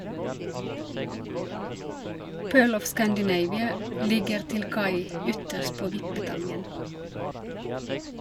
"Pearl of Scandinavia" ligger til kai ytterst på Vippetangen.